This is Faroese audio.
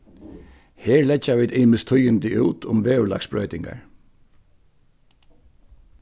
her leggja vit ymisk tíðindi út um veðurlagsbroytingar